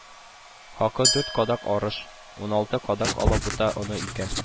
Хакы дүрт кадак арыш, уналты кадак алабута оны икән